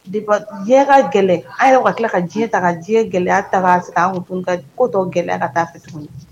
Depen diɲɛ ka gɛlɛn an yɛrɛ be ka tila ka diɲɛ ta ka diɲɛ gɛlɛya ta k'a sig'an ŋun tuguni ka t ko tɔ gɛlɛya ka taa fɛ tuguni